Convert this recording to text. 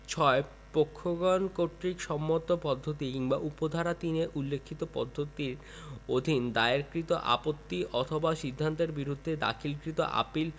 ৬ পক্ষগণ কর্তৃক সম্মত পদ্ধতি কিংবা উপ ধারা ৩ এ উল্লেখিত পদ্ধতির অধীন দায়েরকৃত আপত্তি অথবা সিদ্ধান্তের বিরুদ্ধে দাখিলকৃত আপীল